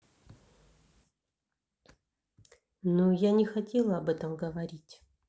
ну я не хотела об этом говорить